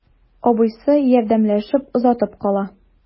Абыйсы ярдәмләшеп озатып кала.